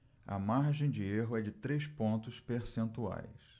a margem de erro é de três pontos percentuais